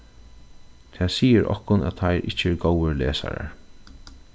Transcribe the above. tað sigur okkum at teir ikki eru góðir lesarar